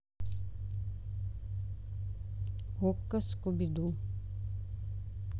окко скуби ду